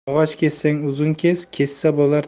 yog'och kessang uzun kes kessa bo'lar